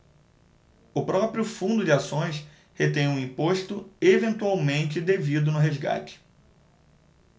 o próprio fundo de ações retém o imposto eventualmente devido no resgate